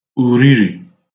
ùrirì